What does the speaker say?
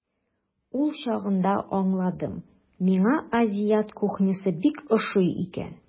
Ул чагында аңладым, миңа азиат кухнясы бик ошый икән.